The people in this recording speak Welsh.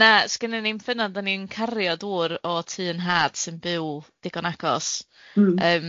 Na, sgenna ni'm ffynnon, dan ni'n cario dŵr o tŷ yn nhad sy'n byw digon agos.